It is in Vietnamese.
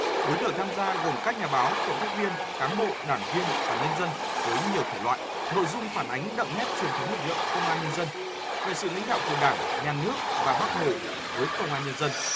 đối tượng tham gia gồm các nhà báo cộng tác viên cán bộ đảng viên và nhân dân với nhiều thể loại nội dung phản ánh đậm nét truyền thống lực lượng công an nhân dân về sự lãnh đạo của đảng nhà nước và bác hồ với công an nhân dân